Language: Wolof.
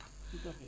tout à fait